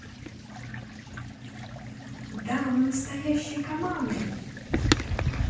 да мы настоящие команды